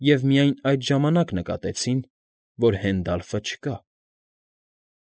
Եվ միայն այդ ժամանակ նկատեցին, որ Հենդալֆը չկա։